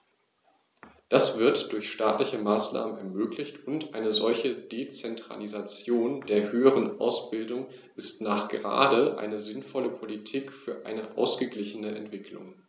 Das wird durch staatliche Maßnahmen ermöglicht, und eine solche Dezentralisation der höheren Ausbildung ist nachgerade eine sinnvolle Politik für eine ausgeglichene Entwicklung.